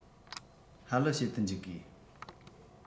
ཧ ལི བྱེད དུ འཇུག དགོས